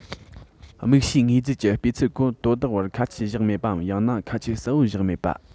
དམིགས བྱའི དངོས རྫས ཀྱི སྤུས ཚད སྐོར དོ བདག བར ཁ ཆད བཞག མེད པའམ ཡང ན ཁ ཆད གསལ པོ བཞག མེད པ